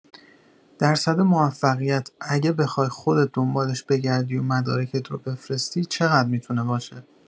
درصد موفقیت اگه بخوای خودت دنبالش بگردی و مدارکت رو بفرستی، چقدر می‌تونه باشه؟